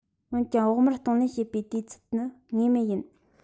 འོན ཀྱང བོགས མར གཏོང ལེན བྱེད པའི དུས ཚད ནི ངེས མེད ཡིན